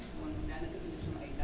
moom daanaka ***